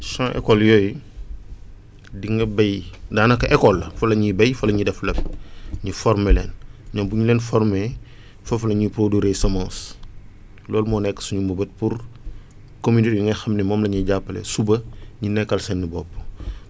champs école yooyu di nga béy daanaka école la fa la ñuy béy fa la ñuy def lu ne ñu former leen mais bu ñu leen former foofu la ñuy produire semence loolu moo nekk suñu mëbët pour communes yi nga xam moom la ñuy jàppale suba ñu nekkal seen i bopp